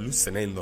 Olu sɛnɛ in don